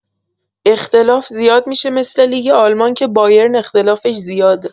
اختلاف زیاد می‌شه مثل لیگ آلمان که بایرن اختلافش زیاده